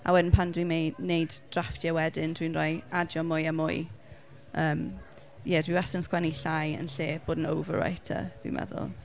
A wedyn pan dwi'n mei- wneud drafftiau wedyn dwi'n rhoi... adio mwy a mwy. yym ie dwi wastad yn sgwennu llai yn lle bod yn overwriter fi'n meddwl.